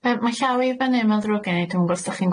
Yy ma'n llaw i fyny ma'n ddrwg gin i neu' dwmbo' os 'dach chi'n